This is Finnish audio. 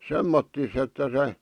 semmottoon että se